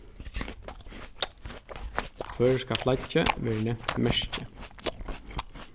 føroyska flaggið verður nevnt merkið